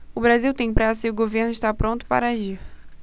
o brasil tem pressa e o governo está pronto para agir